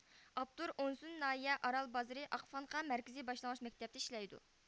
ئاپتور ئونسۇ ناھىيە ئارال بازىرى ئاقخانقا مەركىزىي باشلانغۇچ مەكتەپتە ئىشلەيدۇ